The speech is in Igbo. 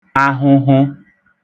ahụhụ